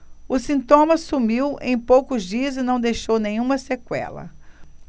o sintoma sumiu em poucos dias e não deixou nenhuma sequela